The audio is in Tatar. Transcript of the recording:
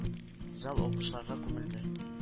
Зал алкышларга күмелде.